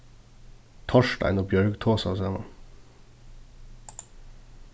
torstein og bjørg tosaðu saman